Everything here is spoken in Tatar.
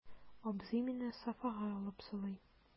Абзый мине софага алып сылый.